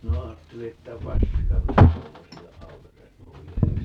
minä ajattelin että paska minä tuommoisille aukaise ovia mutta